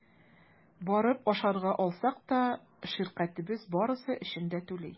Барып ашарга алсак та – ширкәтебез барысы өчен дә түли.